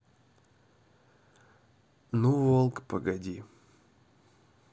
ну волк погоди